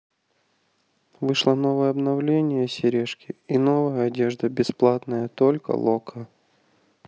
вышло новое обновление сережки и новая одежда бесплатное только локо